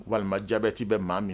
Walima jabɛti bɛ maa min na